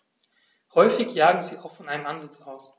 Häufig jagen sie auch von einem Ansitz aus.